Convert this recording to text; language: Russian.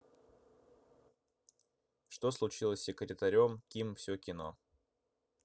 что случилось с секретарем ким все кино